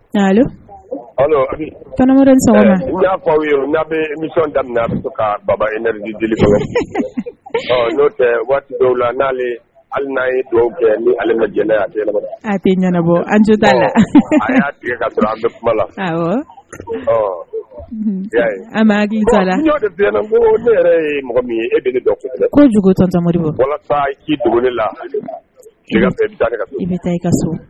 Ya fɔ aw n'a bɛmi daminɛ ka baba no tɛ waati dɔw la nale hali n'a ye dɔw bɛɛ ni ale jɛnɛ abɔ an'a an bɛ kuma la ɔ an ne yɛrɛ ye mɔgɔ min e ci dogo la